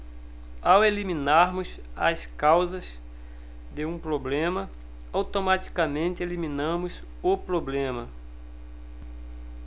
ao eliminarmos as causas de um problema automaticamente eliminamos o problema